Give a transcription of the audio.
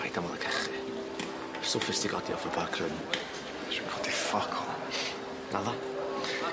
Paid â malu cachu. Stwff nes di godi off y back rung. Nesh i'm codi ffyc all. Naddo?